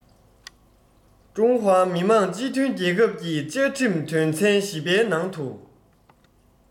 ཀྲུང ཧྭ མི དམངས སྤྱི མཐུན རྒྱལ ཁབ ཀྱི བཅའ ཁྲིམས དོན ཚན བཞི པའི ནང དུ